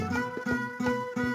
San